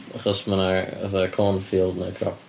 Achos mae 'na fatha cornfield neu crop.